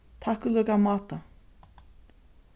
takk í líka máta